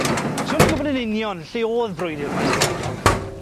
So ni'n gwbod yn union lle o'dd brwydyr Maes Moedog.